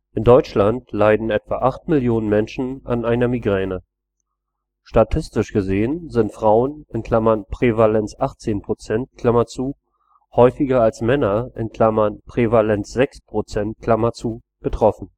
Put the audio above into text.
In Deutschland leiden etwa acht Millionen Menschen an einer Migräne. Statistisch gesehen sind Frauen (Prävalenz 18 %) häufiger als Männer (Prävalenz 6 %) betroffen